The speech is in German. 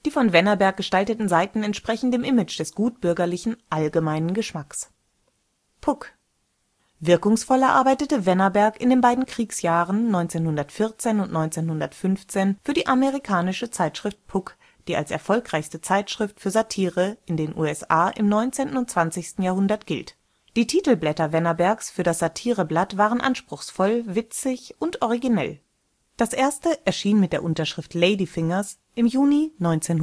von Wennerberg gestalteten Seiten entsprechen dem Image eines gutbürgerlichen, allgemeinen Geschmacks. Wirkungsvoller arbeitete Wennerberg in den beiden Kriegsjahren 1914 und 1915 für die amerikanische Zeitschrift „ Puck “, die als erfolgreichste Zeitschrift für Satire in den USA im 19. und 20. Jahrhundert gilt. Die Titelbilder Wennerbergs für das Satireblatt waren anspruchsvoll, witzig und originell. Das Erste erschien mit der Unterschrift „ Lady Fingers “im Juni 1914